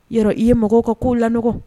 Yɔrɔ i ye mɔgɔw ka k'u laɔgɔ